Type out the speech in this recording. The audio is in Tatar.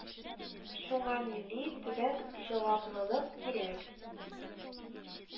Шуңа милли, төбәк җаваплылык кирәк